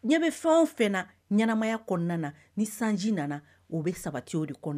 Ɲɛ bɛ fɛnw fɛ ɲɛnaɛnɛmaya kɔnɔna na ni sanji nana o bɛ sabati o de kɔnɔ